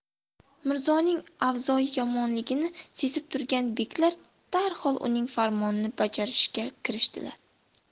mirzoning avzoyi yomonligini sezib turgan beklar darhol uning farmonini bajarishga kirishdilar